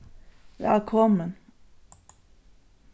vælkomin